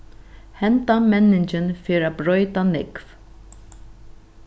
hendan menningin fer at broyta nógv